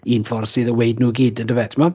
un ffordd sydd o weud nhw i gyd yndyfe timod.